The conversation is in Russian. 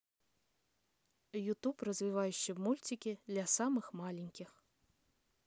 youtube развивающие мультики для самых маленьких